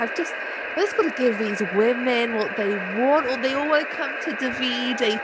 I've just I've just got to give these women what they want. They all want to come to Davide.